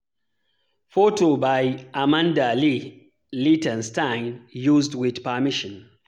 Photo by Amanda Leigh Lichtenstein, used with permission.